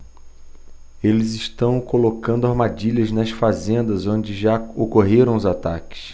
eles estão colocando armadilhas nas fazendas onde já ocorreram os ataques